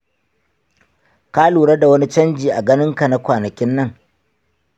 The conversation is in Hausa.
ka lura da wani canji a ganinka a kwanakin nan?